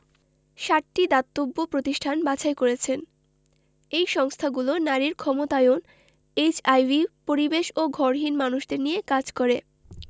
সাতটি দাতব্য প্রতিষ্ঠান বাছাই করেছেন এই সংস্থাগুলো নারীর ক্ষমতায়ন এইচআইভি পরিবেশ ও ঘরহীন মানুষদের নিয়ে কাজ করে